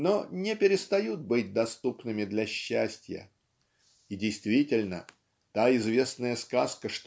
но не перестают быть доступными для счастья. И действительно та известная сказка